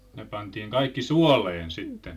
ne pantiin kaikki suoleen sitten